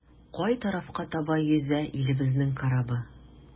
Кай тарафка таба йөзә илебезнең корабы?